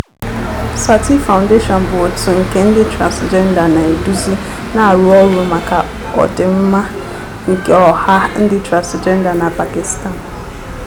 Sathi Foundation bụ òtù nke ndị transịjenda na-eduzi na-arụ ọrụ maka ọdịmma nke ọha ndị transịjenda na Pakistan.